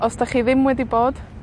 Os 'dach chi ddim wedi bod,